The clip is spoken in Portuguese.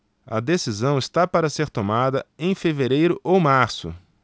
a decisão está para ser tomada em fevereiro ou março